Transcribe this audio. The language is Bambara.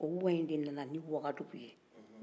o u wa de ne nana nin wagadugu